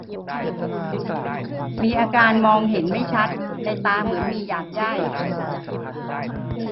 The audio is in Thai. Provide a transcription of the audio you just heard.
มีอาการมองเห็นไม่ชัดในตาเหมือนมีหยากไย่